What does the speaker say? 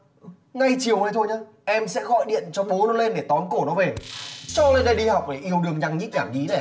ngay chiều nay thôi nhớ em sẽ gọi điện cho bố nó lên để tóm cổ nó về cho lên đây đi học yêu đương nhăng nhít nhảm nhí thế à